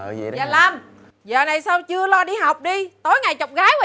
văn lâm giờ này sao chưa lo đi học đi tối ngày chọc gái